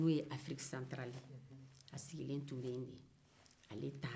n'o ye afiriqki satarali ye